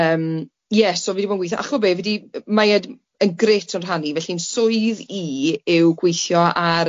Yym ie so fi 'di bod yn gweithio a chi'bod be fi 'di yy mae e yn grêt o'n rhan i felly'n swydd i yw gweithio ar